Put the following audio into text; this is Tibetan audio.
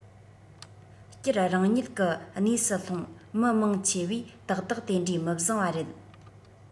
སྤྱིར རང ཉིད གི གནས སུ ལྷུང མི མང ཆེ བས ཏག ཏག དེ འདྲའི མི བཟང བ རེད